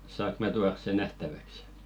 saanko minä tuoda sen nähtäväksi